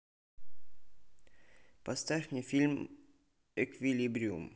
поставь мне фильм эквилибриум